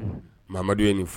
Madudenw ye ni fɔ